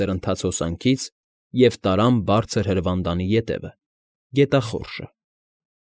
Սրընթաց հոսանքից և տարան բարձր հրվանդանի ետևը՝ գետախորշը։